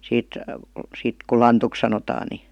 siitä siitä kun lantuksi sanotaan niin